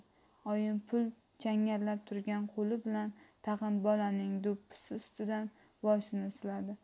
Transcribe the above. oyim pul changallab turgan qo'li bilan tag'in bolaning do'ppisi ustidan boshini siladi